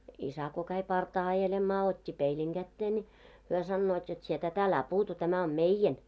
isä kun kävi partaa ajelemaan otti peilin käteen niin he sanovat jotta sinä tätä älä puutu tämä on meidän